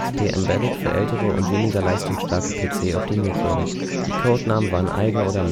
XP Embedded für ältere und weniger leistungsstarke PC optimiert wurde. Die Codenamen waren „ Eiger